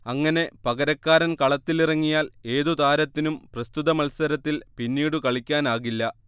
അങ്ങനെ പകരക്കാരൻ കളത്തിലിറങ്ങിയാൽ ഏതു താരത്തിനും പ്രസ്തുത മത്സരത്തിൽ പിന്നീടു കളിക്കാനാകില്ല